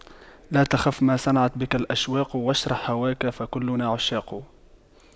لا تخف ما صنعت بك الأشواق واشرح هواك فكلنا عشاق